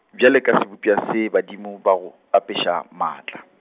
bjale ka sebopša se, badimo ba go, apeša maatla.